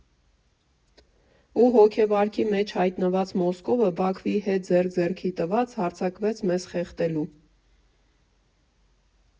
Ու հոգեվարքի մեջ հայտնված Մոսկովը, Բաքվի հետ ձեռք֊ձեռքի տված, հարձակվեց մեզ խեղդելու։